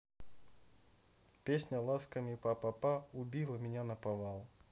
песня ласками па па па убила меня наповал